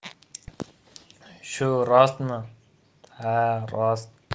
shu rostmi ha rost